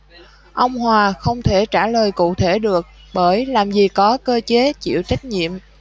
ông hòa không thể trả lời cụ thể được bởi làm gì có cơ chế chịu trách nhiệm